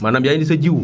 maanaam yaa indi sa jiwu